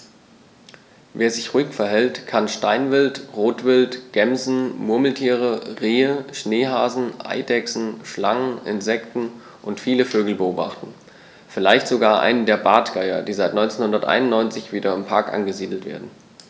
Wer sich ruhig verhält, kann Steinwild, Rotwild, Gämsen, Murmeltiere, Rehe, Schneehasen, Eidechsen, Schlangen, Insekten und viele Vögel beobachten, vielleicht sogar einen der Bartgeier, die seit 1991 wieder im Park angesiedelt werden.